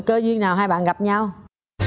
cơ duyên nào hai bạn gặp nhau